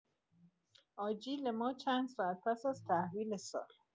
آجیل ما چند ساعت پس‌از تحویل سال!